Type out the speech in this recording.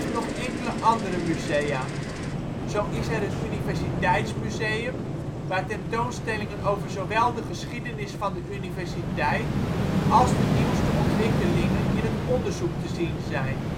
nog enkele andere musea. Zo is er het Universiteitsmuseum, waar tentoonstellingen over zowel de geschiedenis van de universiteit als de nieuwste ontwikkelingen in het onderzoek te zien zijn